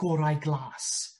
gorau glas.